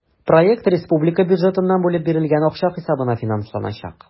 Проект республика бюджетыннан бүлеп бирелгән акча хисабына финансланачак.